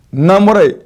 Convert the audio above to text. Naamuɔrɔre